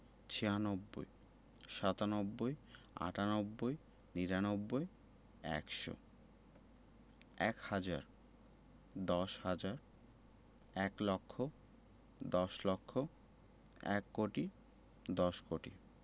৯৬ - ছিয়ানব্বই ৯৭ – সাতানব্বই ৯৮ - আটানব্বই ৯৯ - নিরানব্বই ১০০ – একশো ১০০০ – এক হাজার ১০০০০ দশ হাজার ১০০০০০ এক লক্ষ ১০০০০০০ দশ লক্ষ ১০০০০০০০ এক কোটি ১০০০০০০০০ দশ কোটি